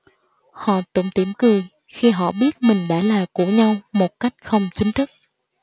họ tủm tỉm cười khi họ biết mình đã là của nhau một cách không chính thức